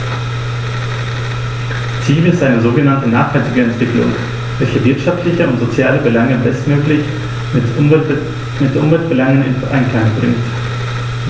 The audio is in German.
Ziel ist eine sogenannte nachhaltige Entwicklung, welche wirtschaftliche und soziale Belange bestmöglich mit Umweltbelangen in Einklang bringt.